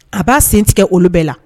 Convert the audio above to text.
A b'a sen tigɛ olu bɛɛ la